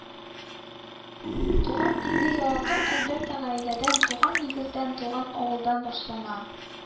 Туган илне ярату, әлбәттә, гаиләдән, туган нигездән, туган авылдан башлана